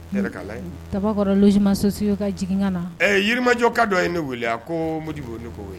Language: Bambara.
Ta kɔrɔ jiman sosiw ka jigin ka na yirimajɔ ka dɔ ye ne weele a ko mobugu ko koyi